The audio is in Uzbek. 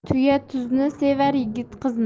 tuya tuzni sevar yigit qizni